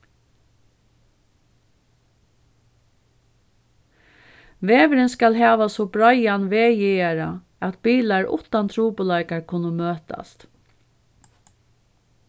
vegurin skal hava so breiðan vegjaðara at bilar uttan trupulleikar kunnu møtast